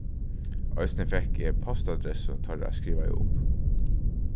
eisini fekk eg postadressu teirra skrivaða upp